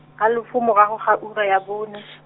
halofo morago ga ura ya bone.